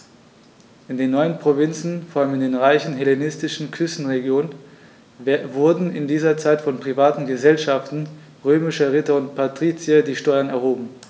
In den neuen Provinzen, vor allem in den reichen hellenistischen Küstenregionen, wurden in dieser Zeit von privaten „Gesellschaften“ römischer Ritter und Patrizier die Steuern erhoben.